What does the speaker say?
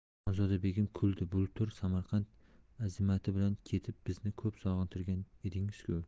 xonzoda begim kuldi bultur samarqand azimati bilan ketib bizni ko'p sog'intirgan edingiz ku